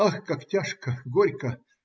Ах, как тяжко, горько!